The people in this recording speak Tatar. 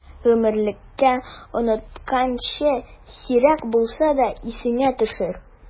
Гомерлеккә онытканчы, сирәк булса да исеңә төшер!